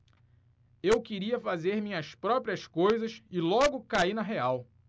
eu queria fazer minhas próprias coisas e logo caí na real